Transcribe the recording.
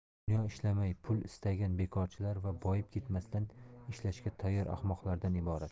dunyo ishlamay pul istagan bekorchilar va boyib ketmasdan ishlashga tayyor ahmoqlardan iborat